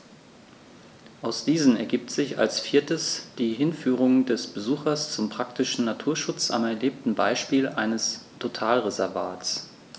Aus diesen ergibt sich als viertes die Hinführung des Besuchers zum praktischen Naturschutz am erlebten Beispiel eines Totalreservats.